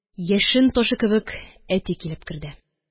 Яшен ташы кебек, әти килеп керде